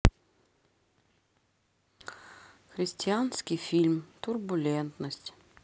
христианский фильм турбулентность